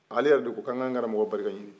ale yɛrɛ de ko ko an ka an karamɔgɔ barika ɲini